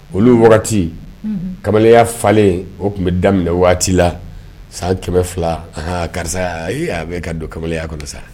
Olu wagati kamalenya falenlen o tun bɛ daminɛ waati la san kɛmɛ fila an karisa a bɛ ka don kamalenya sa